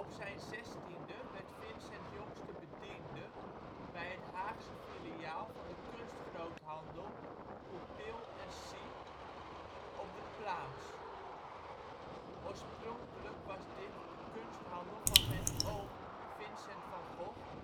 zijn zestiende werd Vincent jongste bediende bij het Haagse filiaal van de kunsthandel Goupil & Cie op de Plaats. Oorspronkelijk was dit de kunsthandel van zijn oom Vincent van Gogh